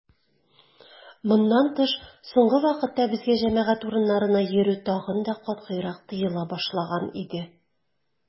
Моннан тыш, соңгы вакытта безгә җәмәгать урыннарына йөрү тагын да катгыйрак тыела башлаган иде.